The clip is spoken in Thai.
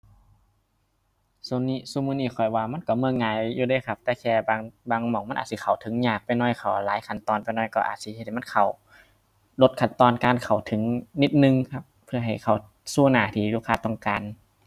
ช่วงนี้ ซุมื้อนี้ข้อยว่ามันช่วงเบิ่งง่ายอยู่เดะครับ แต่แค่บาง บางหม้องมันอาจสิเข้าถึงยากไปหน่อย เข้าหลายขั้นตอนไปหน่อยก็อาจสิเฮ็ดให้มันเข้า ลดขั้นตอนการเข้าถึงนิดหนึ่งครับ เพื่อให้เข้าสู่หน้าที่ลูกค้าต้องการ